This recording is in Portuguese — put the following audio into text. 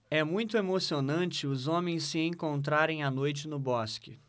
é muito emocionante os homens se encontrarem à noite no bosque